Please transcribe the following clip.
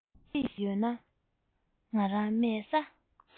གལ སྲིད ཡོད ན ང རང མལ ས